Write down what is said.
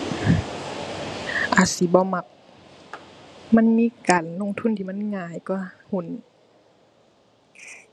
อาจสิบ่มัก มันมีการลงทุนที่มันง่ายกว่าหุ้น